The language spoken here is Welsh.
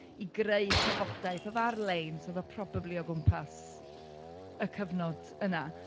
i greu trafodaeth oedd ar-lein, so oedd o probably o gwmpas, y cyfnod yna.